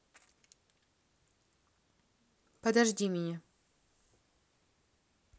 подожди меня